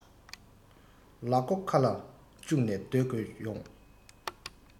ལག མགོ ཁ ལ བཅུག ནས སྡོད དགོས ཡོང